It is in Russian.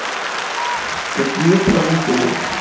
какие правителей